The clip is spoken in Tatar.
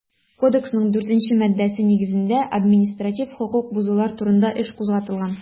Кодексның 4 нче маддәсе нигезендә административ хокук бозулар турында эш кузгатылган.